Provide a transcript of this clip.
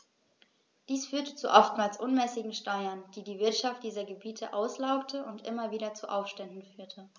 Dies führte zu oftmals unmäßigen Steuern, die die Wirtschaft dieser Gebiete auslaugte und immer wieder zu Aufständen führte.